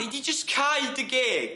Nei di jyst cau dy geg?